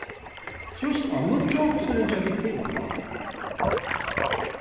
trýst á níggju so ringja vit teg uppaftur